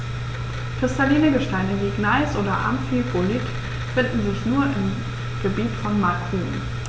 Kristalline Gesteine wie Gneis oder Amphibolit finden sich nur im Gebiet von Macun.